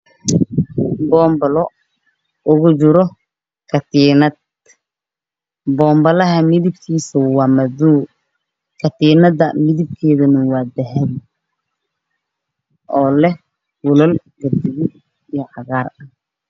Waa boombalo midabkiisa yahay madow waxaa ku jiro katinad midabkeediay dahabi